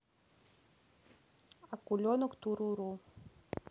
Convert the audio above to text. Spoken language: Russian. акуленок туруруруру